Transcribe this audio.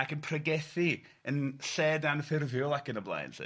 ...ac yn pregethu yn lled-anffurfiol ac yn y blaen 'lly,